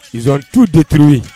Norituu deturu